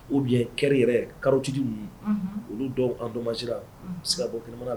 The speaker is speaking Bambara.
O ye kɛ yɛrɛ karɔti ninnu olu dɔw antomasi sigi bɔmana la